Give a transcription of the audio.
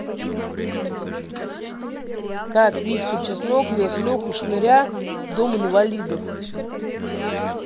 как витька чеснок вез леху шныря в дом инвалидов